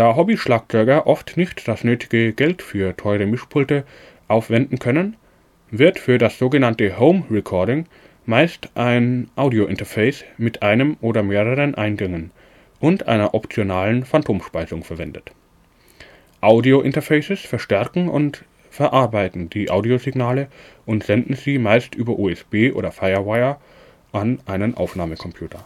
Hobbyschlagzeuger oft nicht das nötige Geld für teure Mischpulte aufwenden können, wird für das sogenannte Home-Recording meist ein Audiointerface mit einem oder mehreren Eingängen und einer optionalen Phantomspeisung verwendet. Audiointerfaces verstärken und verarbeiten die Audiosignale und senden sie meist über USB oder Firewire an einen Aufnahmecomputer